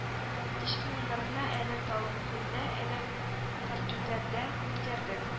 Кичке уеннарны әле таллыкүлдә әле кыртүтәлдә үткәрдек